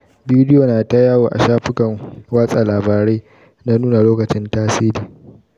Bidio na ta yawu a shafukan watsa labarai na nuna lokacin tasiri.